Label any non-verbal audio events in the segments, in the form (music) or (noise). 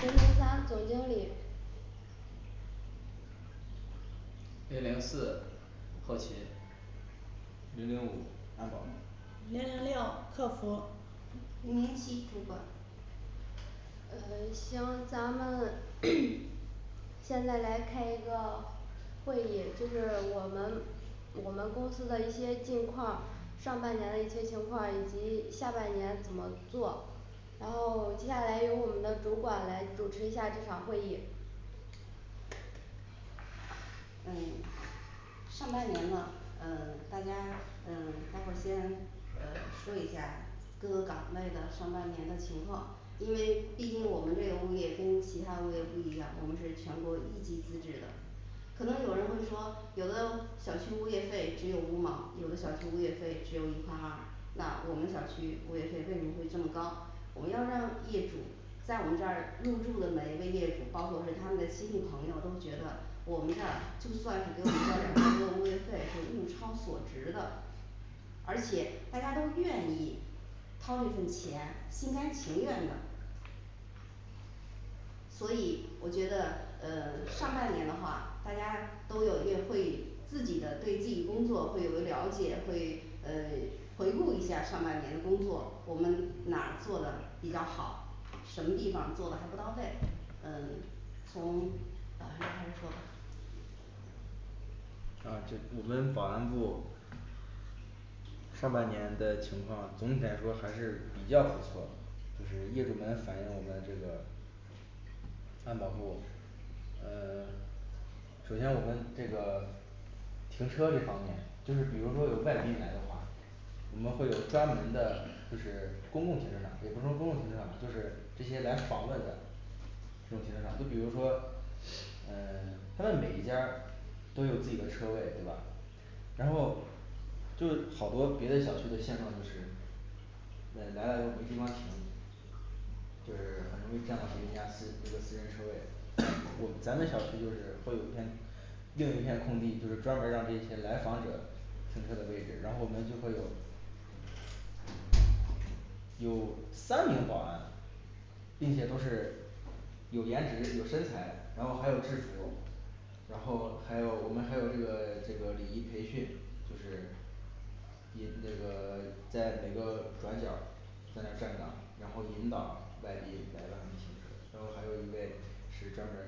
零零三总经理零零四后勤零零五安保零零六客服零零七主管嗯 (silence) 行咱们 (hesitation) 现在来开一个会议，就是我们我们公司的一些近况，上半年的一些情况以及下半年怎么做，然后接下来由我们的主管来主持一下这场会议。嗯上半年呢嗯大家嗯待会儿先嗯说一下各个岗位的上半年的情况，因为毕竟我们这个物业跟其它物业不一样，我们是全国一级资质的，可能有人会说有的小区物业费只有五毛，有的小区物业费只有一块二，那我们小区物业费为什么会这么高？我们要让业主在我们这儿入住的每一位业主，包括是他们的亲戚朋友都觉得我们这儿就算是给我们交两千多的 (hesitation) 物业费是物超所值的，而且大家都愿意掏这份钱，心甘情愿的。所以我觉得呃上半年的话，大家都有也会议自己的对自己工作会有了解，会诶 (silence) 回顾一下上半年的工作，我们哪做的比较好，什么地方做的还不到位嗯从保安开始说吧。啊是我们保安部上半年的情况总体来说还是比较不错，就是业主们反映我们这个安保部呃 (silence) 首先我们这个停车这方面，就是比如说有外宾来的话，我们会有专门的就是公共停车场，也不能公共停车场就是这些来访问的这种停车场，就比如说嗯他们每一家儿都有自己的车位对吧，然后就好多别的小区的现状，就是来来了以后没地方停，就是很容易占到别人家私那个私人车位。 (hesitation) 我咱们小区就是会有一片另一片空地，就是专门儿让这些来访者停车的位置，然后我们就会有有三名保安，并且都是有颜值有身材，然后还有制服，然后还有我们还有这个这个礼仪培训，就是也那个 (silence) 在每个转角儿在那儿站岗，然后引导外地来让他们停车，然后还有一位是专门儿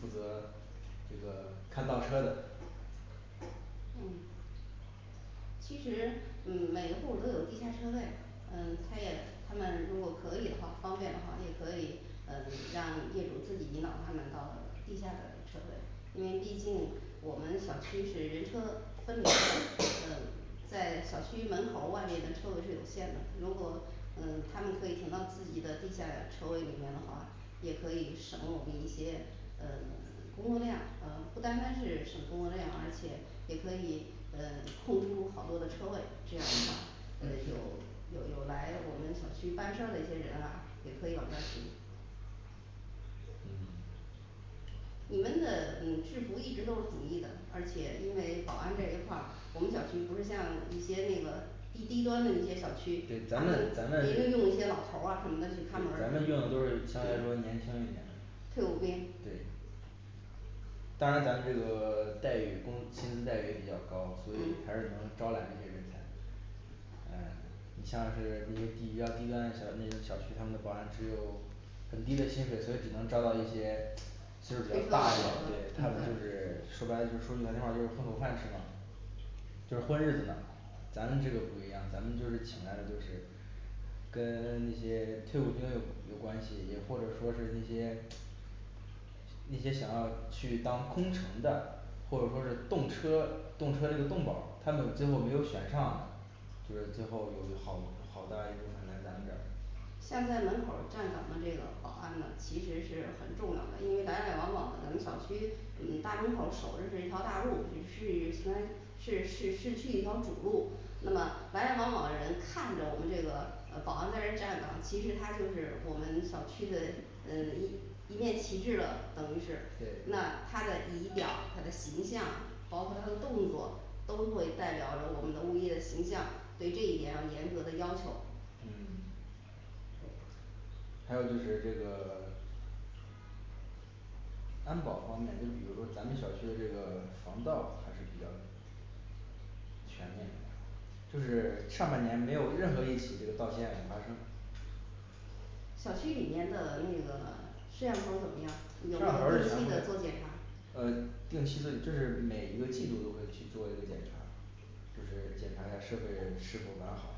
负责这个看倒车的，嗯其实每一户都有地下车位，嗯开业的他们如果可以的话方便的话，也可以嗯让业主自己引导他们到地下的车位。 因为毕竟我们小区是人车分流的呃，(hesitation) 在小区门口外面的车位是有限的，如果嗯他们可以停到自己的地下车位里面的话，也可以省我们一些嗯 (silence) 工作量，额不单单是省工作量，而且也可以嗯 (silence) 空出好多的车位，这样的话嗯有有有来我们小区办事儿的一些人啊也可以往这儿停。嗯你们的嗯制服一直都是统一的，而且因为保安这一块儿，我们小区不是像一些那个低低端的一些小区对，他咱们们咱们顶是多用一些老头儿啊什么的对去看门儿咱们用的都是相对说年轻一点的，退伍兵，对当然咱们这个 (silence) 待遇工薪资待遇也比较高，所以嗯还是能招揽这些人才。嗯你像是那些低比较低端小那种小区，他们的保安只有很低的薪水，所以只能招到一些退岁休数儿比的较老大一点，对的，他们就是说白了就是说句难听话儿就混口饭吃嘛，就混日子呢咱们这个不一样，咱们就是请来的就是跟 (silence) 那些 (silence) 退伍兵有有关系，也或者说是那些 (silence) 那些想要去当空乘的，或者说是动车动车是个动保儿，他们最后没有选上的，就是最后有好好大一部分人来咱们这儿像在门口儿站岗的这个保安呢其实是很重要的，因为来来往往咱们小区，你大门口守着是一条大路，是以邢台是是市区一条主路，那么来来往往人看着我们这个呃保安在那儿站岗，其实他就是我们小区的嗯一一面旗帜了，等于是对那他的仪表，他的形象，包括他的动作，都会代表着我们的物业的形象，所以这一点要严格的要求。嗯 (silence) 还有就是这个 (silence) 安保方面，就比如说咱们小区这个 (silence) 防盗还是比较全面的，就是上半年没有任何一起这个盗窃案发生，小区里面的那个 (silence) 摄像头儿怎么样，摄有没有像定期的头做检查，呃定期的就是每一个季度都会去做一个检查，就是检查一下设备是否完好，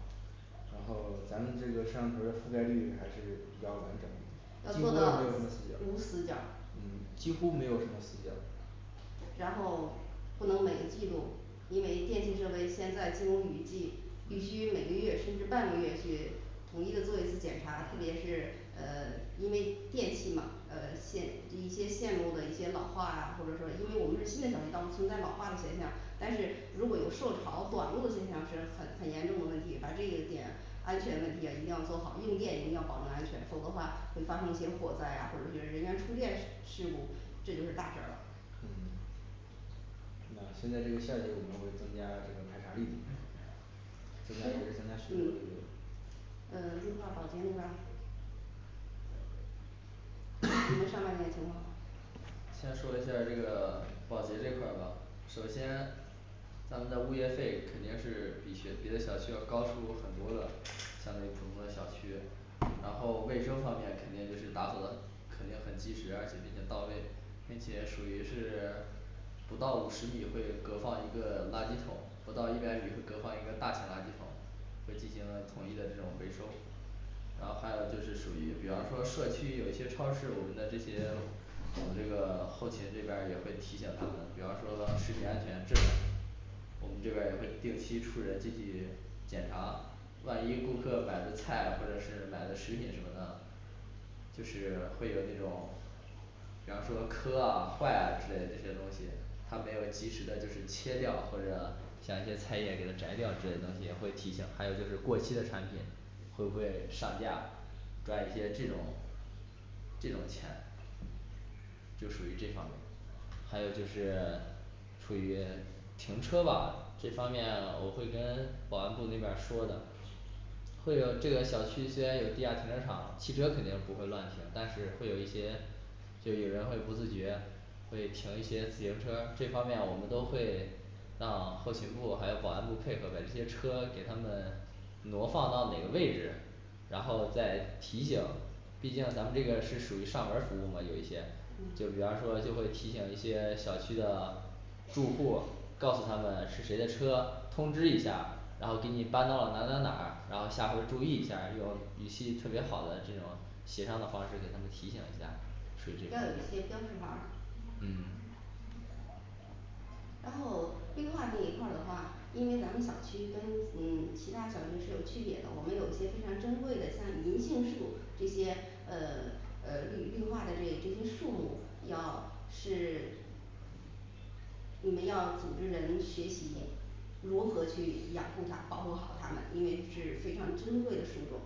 然后咱们这个摄像头儿的覆盖率还是比较完整，几要乎是做没有到什么无无死死角角儿儿，嗯几乎没有什么死角。然后不能每个季度，因为电气设备现在进入雨季，必须每个月甚至半个月去统一的做一次检查，特别是呃因为电器嘛呃线一些线路的一些老化啊，或者说因为我们是新的小区倒存在老化的现象，但是如果有受潮短路现象是很很严重的问题，把这个点安全问题啊一定要做好，用电一定要保证安全，否则的话会发生一些火灾啊或者是人员触电事事故，这就是大事儿了嗯那现在这个夏季我们会增加这个排查力度，增加也是增嗯加巡逻力度。呃绿化保洁那边儿你们 (hesitation) 上半年的情况。先说一下儿这个保洁这块儿吧，首先咱们的物业费肯定是比学别的小区要高出很多的，相对于普通的小区，然后卫生方面肯定就是打扫的肯定很及时，而且并且到位，并且属于是不到五十米会格放一个垃圾桶，不到一百米格放一个大型垃圾桶，会进行统一的这种回收。然后还有就是属于比方说社区有一些超市，我们的这些 (silence) 我们这个后勤这边儿也会提醒他们，比方说食品安全质量，我们这边儿也会定期出人进去检查，万一顾客买的菜或者是买的食品什么的，就是会有那种比方说磕 (silence) 啊坏啊之类的这些东西，他没有及时的就是切掉，或者像一些菜叶给它摘掉，之类的东西也会提醒，还有就是过期的产品会不会上架，赚一些这种这种钱就属于这方面。 还有就是 (silence) 处于停车吧这方面，我会跟保安部那边儿说的，会有这个小区虽然有地下停车场，汽车肯定不会乱停，但是会有一些就有人会不自觉会停一些自行车儿，这方面我们都会让后勤部还有保安部配合把这些车给他们挪放到哪个位置，然后再提醒，毕竟咱们这个是属于上门儿服务嘛，有一些就嗯比方说就会提醒一些小区的住户，告诉他们是谁的车，通知一下，然后给你搬到了哪儿哪儿哪儿，然后下回注意一下儿，用脾气特别好的这种协商的方式给他们提醒一下，属于这要有一些标种识牌儿，嗯然后绿化那一块儿的话，因为咱们小区跟嗯其它小区是有区别的，我们有一些非常珍贵的像银杏树这些嗯嗯绿绿化的这这些树木，要是你们要组织人学习，如何去养护它，保护好它们，因为是非常珍贵的树种，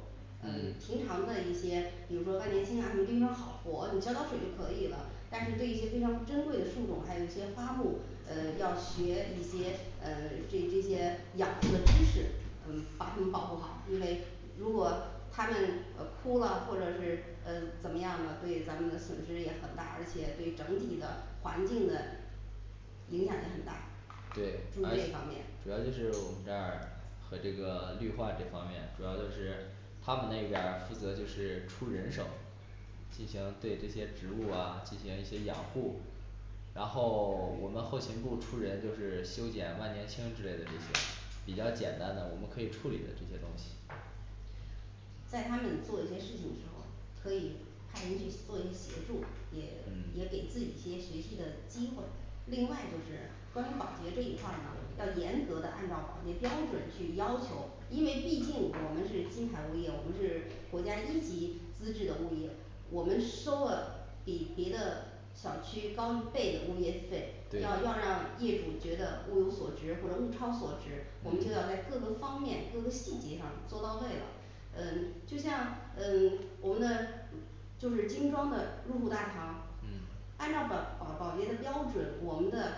嗯嗯平常的一些比如说万年青啊什么地方好活，你浇浇水就可以了，但是对一些非常珍贵的树种，还有一些花布嗯要学一些嗯这这些养护的知识嗯把它们保护好，因为如果它们呃枯了或者是嗯怎么样的，对咱们的损失也很大，而且对整体的环境的影响也很大，对注，意而这一方面主要就是我们这儿的这个绿化这方面，主要就是他们那边儿负责就是出人手，进行对这些植物啊进行一些养护，然后 (silence) 我们后勤部出人就是修剪万年青之类的东西，比较简单的我们可以处理的这些东西，在他们做一些事情的时候，可以派人去做一些协助，也也嗯给自己一些学习的机会。另外就是关于保洁这一块儿呢要严格的按照保洁标准去要求，因为毕竟我们是金牌物业，我们是国家一级资质的物业，我们收了比别的小区高一倍的物业费，要要对让业主觉得物有所值或者物超所值，我们就要在嗯各个方面各个细节上做到位了，呃就像嗯 (silence) 我们的嗯就是精装的入户大堂，嗯按照保保保洁的标准，我们的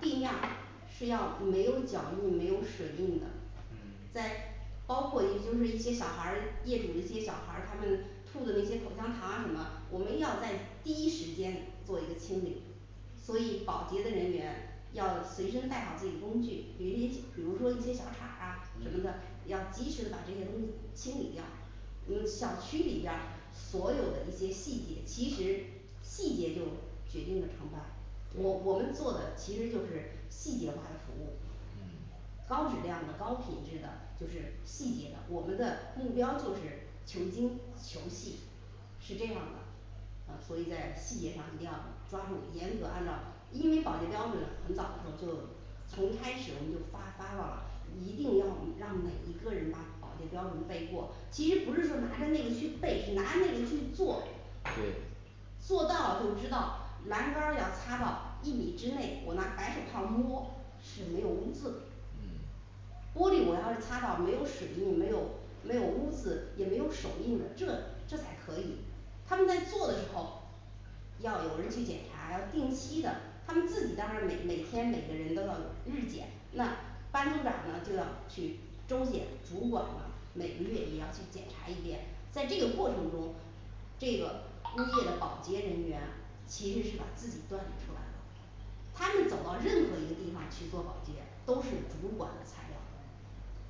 地面儿是要没有脚印，没有水印的嗯，在包括也就是一些小孩儿，业主的一些小孩儿，他们吐的那些口香糖什么，我们要在第一时间做一个清理，所以保洁的人员要随身带好自己工具，比一些比如说一些小铲儿啊什么的，要及时的把这些东西清理掉。嗯小区里边儿所有的一些细节，其实细节就决定了成败，我我们做的其实就是细节化的服务，嗯高质量的高品质的就是细节的，我们的目标就是求精求细，是这样的。嗯所以在细节上一定要抓住严格按照，因为保洁标准很早的时候就从一开始我们就发发到了，一定要让每一个人把保洁标准背过，其实不是说拿着那个去背。拿那个去做对做到了就知道栏杆儿要擦到一米之内，我拿白手套儿摸是没有污渍的。嗯玻璃我要是擦到没有水印，没有没有污渍也没有手印的，这这才可以。他们在做的时候要有人去检查，要定期的他们自己当然每每天每个人都要日检，那班组长呢就要去，周检主管呢每个月也要去检查一遍，在这个过程中，这个物业的保洁人员其实是把自己锻炼出来了，他们走到任何一个地方去做保洁都是主管的材料，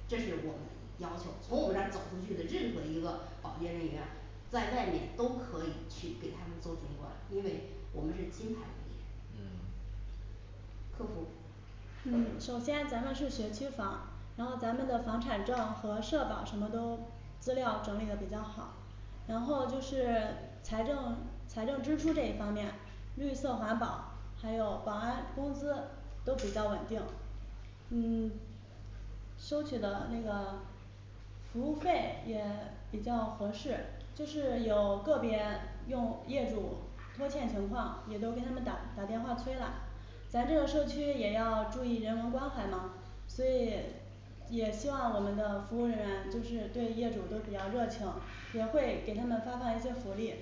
这是我们要求从我们这走出去的，任何一个保洁人员在外面都可以去给他们做主管，因为我们是金牌物业，嗯客服嗯首先咱们是学区房，然后咱们的房产证和社保什么都资料整理的比较好，然后就是财政财政支出这一方面，绿色环保，还有保安工资都比较稳定，嗯收取的那个服务费也比较合适，就是有个别用业主拖欠情况也都给他们打打电话催了，咱这个社区也要注意人文关怀嘛，所以也希望我们的服务人员就是对业主都比较热情，也会给他们发放一些福利。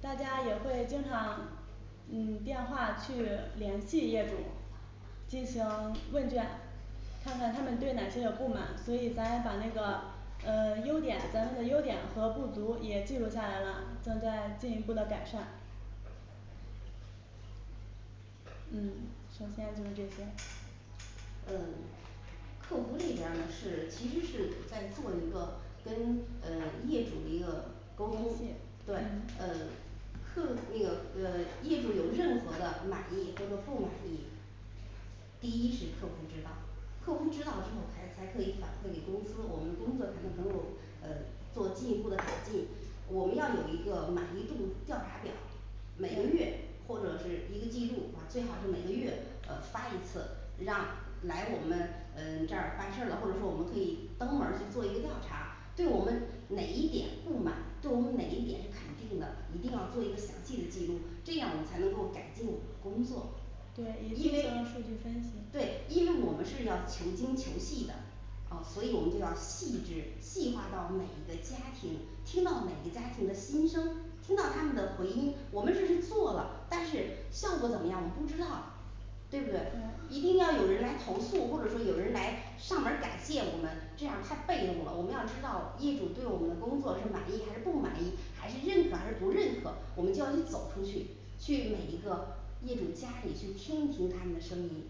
大家也会经常嗯电话去联系业主，进行问卷，看看他们对哪些有不满，所以咱再把那个呃优点咱们的优点和不足也记录下来了，正在进一步的改善。嗯首先就是这些，嗯客服这边儿呢是其实是在做一个跟嗯业主的一个诚沟通信，对嗯嗯客那个呃业主有任何的满意或者不满意。第一是客服指导，客服指导之后才才可以反馈给公司，我们工作才能能够呃做进一步的改进。我们要有一个满意度调查表，每个月对或者是一个季度啊，最好是每个月啊发一次让来我们嗯这儿办事的，或者说我们可以登门儿去做一个调查对我们哪一点不满，对我们哪一点是肯定的，一定要做一个详细的记录，这样我们才能够改进工作，对，也因进为行了数据分析对，因为我们是要求精求细的，哦所以我们就要细致细化到每一个家庭，听到每个家庭的心声，听到他们的回音，我们这是做了，但是效果怎么样我们不知道，对不对？ 对一定要有人来投诉，或者说有人来上门儿感谢我们，这样太被动了，我们要知道业主对我们的工作是满意还是不满意，还是认可还是不认可，我们就要去走出去去每一个业主家里去听听他们的声音。